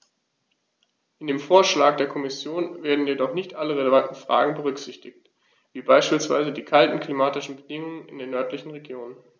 In dem Vorschlag der Kommission werden jedoch nicht alle relevanten Fragen berücksichtigt, wie beispielsweise die kalten klimatischen Bedingungen in den nördlichen Regionen.